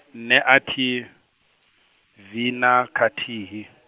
nṋe a thi, vhi na khathihi.